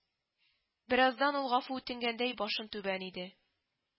Бераздан ул гафү үтенгәндәй башын түбән иде